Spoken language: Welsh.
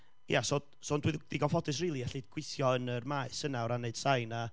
ia so so dwi ddigon ffodus rili i allu gweithio yn yr maes yna o ran wneud sain a,